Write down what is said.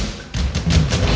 chúc